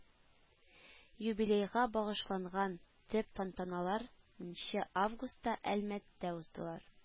Юбилейга багышланган төп тантаналар нче августта Әлмәттә уздылар